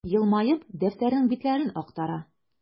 Елмаеп, дәфтәрнең битләрен актара.